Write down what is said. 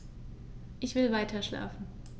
Ich will weiterschlafen.